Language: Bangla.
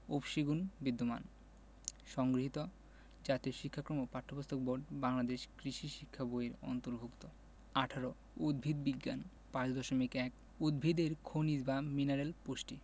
উফশী গুণ বিদ্যমান সংগৃহীত জাতীয় শিক্ষাক্রম ও পাঠ্যপুস্তক বোর্ড বাংলাদেশ কৃষি শিক্ষা বই এর অন্তর্ভুক্ত ১৮ উদ্ভিদ বিজ্ঞান ৫.১ উদ্ভিদের খনিজ বা মিনারেল পুষ্টি